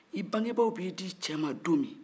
i bangebaaw b'i d'i cɛ ma don min